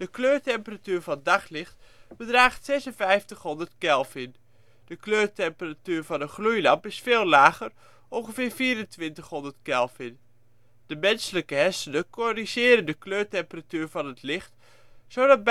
kleurtemperatuur van daglicht bedraagt 5600 Kelvin. De kleurtemperatuur van een gloeilamp is veel lager, ongeveer 2400 Kelvin. De menselijke hersenen corrigeren voor de kleurtemperatuur van het licht, zodat